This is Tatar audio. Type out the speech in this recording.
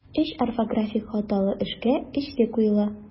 Өч орфографик хаталы эшкә өчле куела.